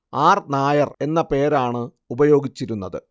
R Nair എന്ന പേരാണ് ഉപയോഗിച്ചിരുന്നത്